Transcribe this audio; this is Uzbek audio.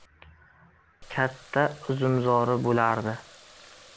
katta uzumzori bo'lardi